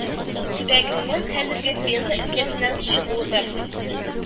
Төбәгеннән, хәзерге пенза өлкәсеннән чыгуы мәгълүм